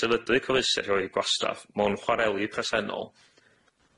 sefydlu cyfleuser rhoi gwastraff mewn chwareli presennol